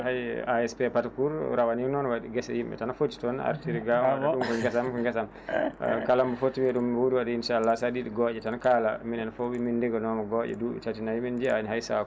hayyi ASP parcourt rawane noon waɗi geese yimɓe tan o footi toon artiri ga ko geesam ko geesam kala mo fotti mo wuuri inchallah saɗa yiiɗi gooƴe tan kala minen foof min diaganoma gooƴe e duuɓi tati naayi min jiiyani hay saaku